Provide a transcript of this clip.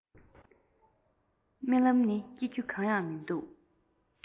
རྨི ལམ ནི སྐྱིད རྒྱུ གང ཡང མི འདུག